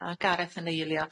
A Gareth yn eilio.